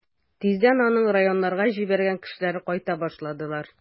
Тиздән аның районнарга җибәргән кешеләре кайта башладылар.